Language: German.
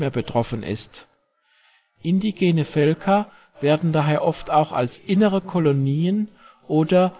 betroffen ist. Indigene Völker werden daher oft auch als innere Kolonien oder